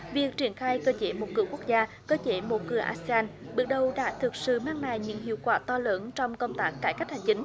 việc triển khai cơ chế một cửa quốc gia cơ chế một cửa a xê an bước đầu đã thực sự mang lại những hiệu quả to lớn trong công tác cải cách hành chính